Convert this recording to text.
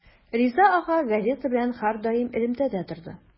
Риза ага газета белән һәрдаим элемтәдә торды.